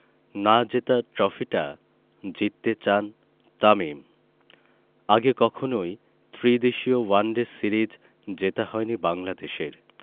না জেতা ট্রফিটা জিততে চান তামিম আগে কখনোই ত্রিদেশীয় ওয়ানডে সিরিজ জেতা হয়নি বাংলাদেশের